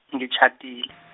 ngitjhadile.